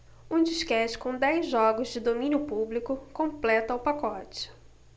um disquete com dez jogos de domínio público completa o pacote